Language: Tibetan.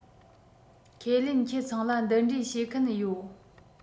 ཁས ལེན ཁྱེད ཚང ལ འདི འདྲའི བྱེད མཁན ཡོད